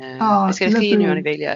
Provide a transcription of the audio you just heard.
Oh sgai llun o anifeiliaid?